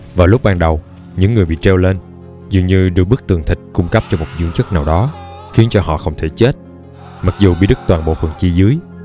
vào lúc ban đầu những người bị treo lên dường như được bức tường thịt cung cấp cho một dưỡng chất nào đó khiến họ không thể chết mặc dù bị đứt toàn bộ phần chi dưới